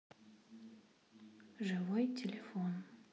живой телефон